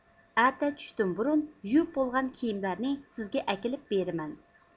ئەتە چۈشتىن بۇرۇن يۇيۇپ بولغان كىيىملەرنى سىزگە ئەكىلىپ بېرىمەن